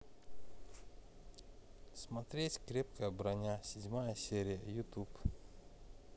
смотреть крепкая броня седьмая серия ютуб